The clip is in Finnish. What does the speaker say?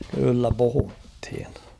kyllä puhuttiin